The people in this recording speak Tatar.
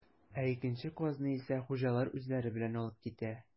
Ә икенче казны исә хуҗалар үзләре белән алып китә.